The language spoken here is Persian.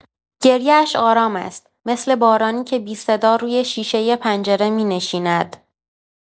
گریه‌اش آرام است، مثل بارانی که بی‌صدا روی شیشۀ پنجره می‌نشیند.